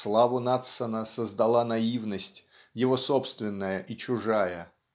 Славу Надсона создала наивность - его собственная и чужая.